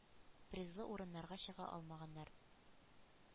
Призлы урыннарга чыга алмаганнар.